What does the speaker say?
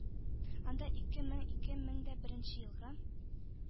Анда ике мең-ике мең дә беренче елгы